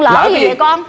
lỡ gì vậy con